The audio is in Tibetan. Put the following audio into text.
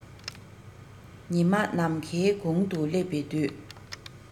ཉི མ ནམ མཁའི དགུང དུ སླེབས པའི དུས